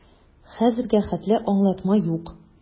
Хәзергә хәтле аңлатма юк.